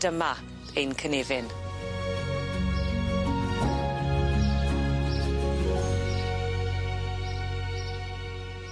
Dyma ein cynefin.